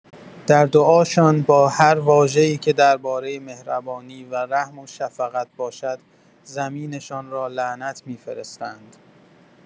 در دعاشان با هر واژه‌ای که درباره مهربانی و رحم و شفقت باشد، زمینشان را لعنت می‌فرستند.